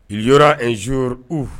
zo u